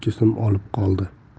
bir ikki so'm olib qoldi